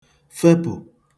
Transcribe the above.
fepụ̀